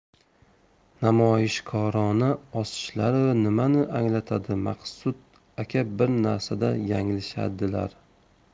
namoyishkorona osishlari nimani anglatadi maqsud aka bir narsada yanglishadilar